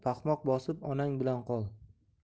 paxmoq bosbji onang bilan qol